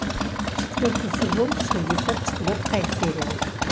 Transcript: четвертый сезон шестьдесят четвертая серия